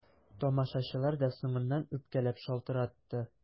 Тамашачылар да соңыннан үпкәләп шалтыратты.